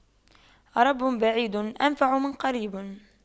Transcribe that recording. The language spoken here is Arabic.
رب بعيد أنفع من قريب